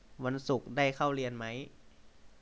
วันศุกร์ได้เข้าเรียนมั้ย